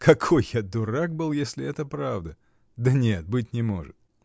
— Какой я дурак был, если это правда! Да нет, быть не может!